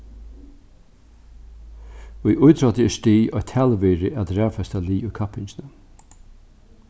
í ítrótti er stig eitt talvirði at raðfesta lið í kapping